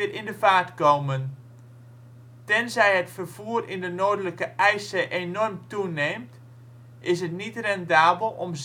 in de vaart komen. Tenzij het vervoer in de Noordelijke IJszee enorm toeneemt, is het niet rendabel om